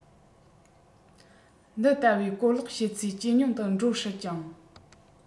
འདི ལྟ བུའི གོ ལོག བྱེད ཚད ཇེ ཉུང དུ འགྲོ སྲིད ཅིང